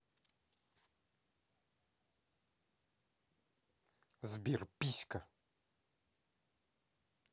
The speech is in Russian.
сбер писька